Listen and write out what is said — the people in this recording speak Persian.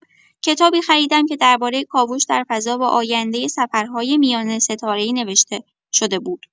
کتابی خریدم که درباره کاوش در فضا و آینده سفرهای میان‌ستاره‌ای نوشته شده بود.